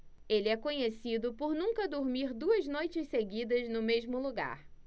ele é conhecido por nunca dormir duas noites seguidas no mesmo lugar